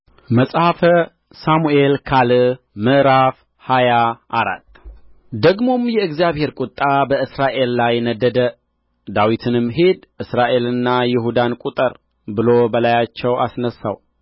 መጽሐፈ ሳሙኤል ካል ሃያ አራት ደግሞም የእግዚአብሔር ቍጣ በእስራኤል ላይ ነደደ ዳዊትንም ሂድ እስራኤልንና ይሁዳን ቍጠር ብሎ በላያቸው አስነሣው